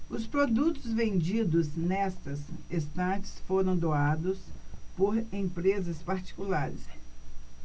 os produtos vendidos nestas estantes foram doados por empresas particulares